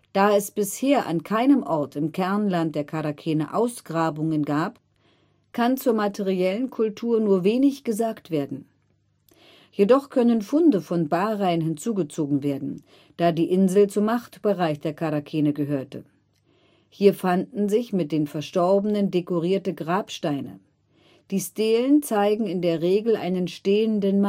Da es bisher an keinem Ort im Kernland der Charakene Ausgrabungen gab, kann zur materiellen Kultur nur wenig gesagt werden. Jedoch können Funde von Bahrain hinzugezogen werden, da die Insel zum Machtbereich der Charakene gehörte. Hier fanden sich mit den Verstorbenen dekorierte Grabsteine. Die Stelen zeigen in der Regel einen stehenden